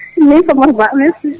min Farmata Ba merci